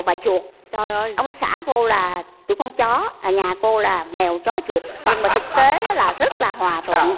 và chuột trời ơi ông xã cô là tuổi con chó ở nhà cô là mèo chó chuột nhưng mà thực tế rất là hóa thuận